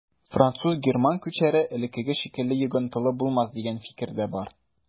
Француз-герман күчәре элеккеге шикелле йогынтылы булмас дигән фикер дә бар.